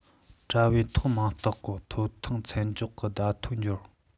དྲ བའི ཐོག མིང རྟགས བཀོད ཐོབ ཐང མཚམས འཇོག གི བརྡ ཐོ འབྱོར བྱུང